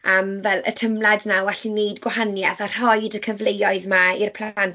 Am fel y teimlad 'na o allu wneud gwahaniaeth a rhoid y cyfleoedd 'ma i'r plant.